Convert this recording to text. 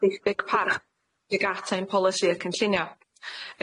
ddiffyg parch tuag at ein polisi y cynllunio.